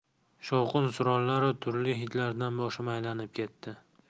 shovqin suronlaru turli hidlardan boshim aylanib ketdi